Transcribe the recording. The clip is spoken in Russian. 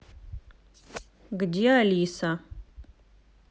где алиса